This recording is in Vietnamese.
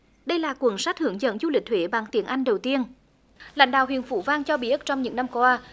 đây là cuốn sách hướng dẫn du lịch huế bằng tiếng anh đầu tiên lãnh đạo huyện phú vang cho biết trong những năm qua